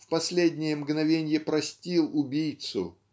в последнее мгновенье простил убийцу